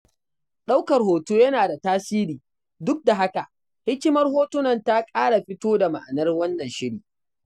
'Ɗaukar hoto yana da tasiri, duk da haka hikimar hotunan ta ƙara fito da ma'anar wannan shirin.